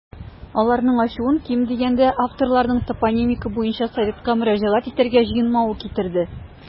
Аларның ачуын, ким дигәндә, авторларның топонимика буенча советка мөрәҗәгать итәргә җыенмавы китерде.